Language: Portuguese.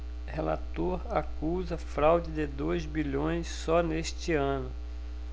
relator acusa fraude de dois bilhões só neste ano